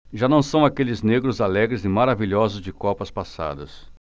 já não são aqueles negros alegres e maravilhosos de copas passadas